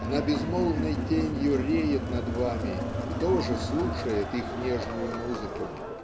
она безмолвной тенью реет над вами и тоже слушает их нежную музыку.